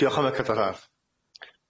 Diolch am y cyfarddarf.